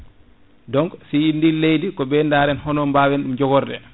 donc si yi ndin leydi koɓe daren hono bawen ɗum joogorde